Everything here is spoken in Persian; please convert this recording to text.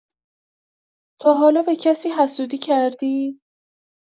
تا حالا به کسی حسودی کردی؟